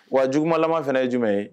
Wa jugumalamama fana ye jumɛn ye